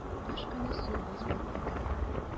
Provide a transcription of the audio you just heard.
Кыш көне су боз булып ката.